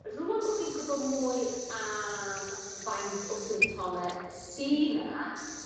Rŵan bo fi'n gwbo mwy am faint o symptome sy 'na